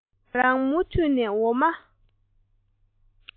ང རང མུ མཐུད ནས འོ མ